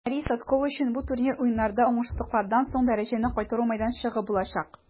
Мария Сотскова өчен бу турнир Уеннарда уңышсызлыклардан соң дәрәҗәне кайтару мәйданчыгы булачак.